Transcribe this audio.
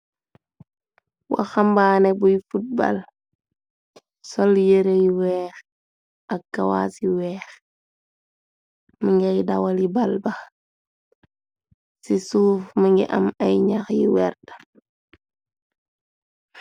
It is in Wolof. Waxambaane buy futbaal sol yërey weex ak kawaas yu weex mi ngay dawali baal ba ci suuf mongi am ay ñax yi werta.